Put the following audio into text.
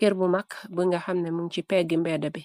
Kerr bu mag bë nga xamne muñ ci peggi mbedda bi